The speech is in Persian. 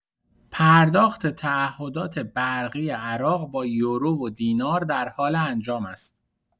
پرداخت تعهدات برقی عراق با یورو و دینار در حال انجام است.